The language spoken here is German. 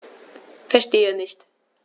Verstehe nicht.